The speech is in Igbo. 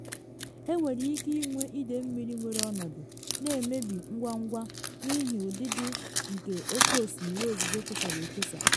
Enwere ike ịnwe ide mmiri nwere ọnọdụ na emebi ngwangwa n’ihi ụdịdị nke oke mmiri ozizo fesara efesa.